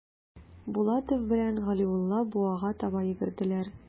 Булатов белән Галиулла буага таба йөгерделәр.